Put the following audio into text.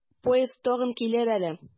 Поезд тагын килер әле.